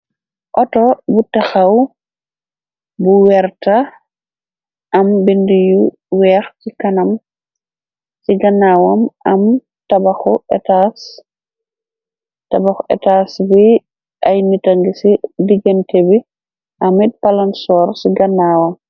Outo bu taxaw bu werta am bind yu weex ci kanam ci gannaawam am tabaxu etas bi ay nitangi ci digénte bi amit palansor ci gannaawam.